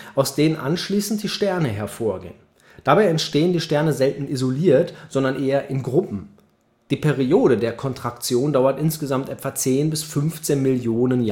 denen anschließend die Sterne hervorgehen: Dabei entstehen die Sterne selten isoliert, sondern eher in Gruppen. Die Periode der Kontraktion dauert insgesamt etwa 10 bis 15 Millionen